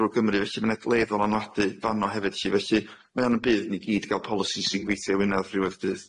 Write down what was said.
drw'r Gymru felly ma'n edleddol anwadu fano hefyd lly felly mae o'n yn budd i ni gyd ga'l polisi sy'n gweithio i Wynedd diwedd dydd.